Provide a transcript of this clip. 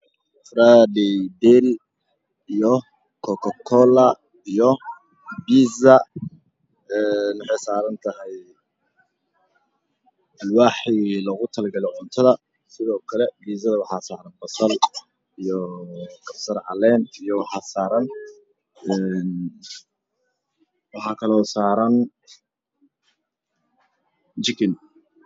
Waa diidin iyo kookakoola iyo biisa waxaysaarantahay alwaxdii cuntada sidookale biisada waxa saaran basal iyo kamsar caleen waxa kaloosaaran jikin